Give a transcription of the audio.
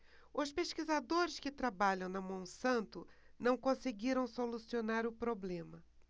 os pesquisadores que trabalham na monsanto não conseguiram solucionar o problema